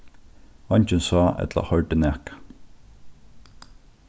eingin sá ella hoyrdi nakað